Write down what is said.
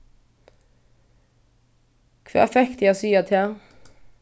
hvat fekk teg at siga tað